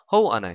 hov ana